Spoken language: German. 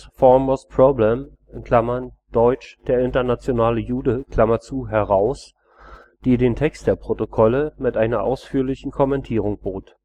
Foremost Problem (deutsch: Der internationale Jude) heraus, die den Text der Protokolle mit einer ausführlichen Kommentierung bot